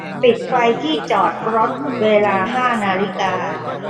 ปิดไฟที่จอดรถเวลาห้านาฬิกา